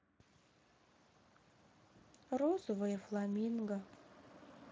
розовое фламинго